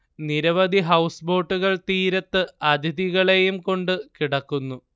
നിരവധി ഹൗസ് ബോട്ടുകൾ തീരത്ത് അതിഥികളെയും കൊണ്ട് കിടക്കുന്നു